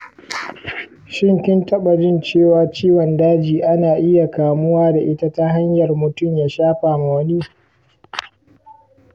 shin kin tabajin cewa ciwon daji ana iya kamuwa da ita ta hanyar mutum ya shafa ma wani?